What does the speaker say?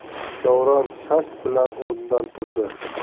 davron shasht bilan o'rnidan turdi